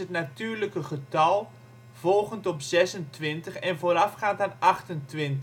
natuurlijke getal volgend op 26 en voorafgaand aan 28.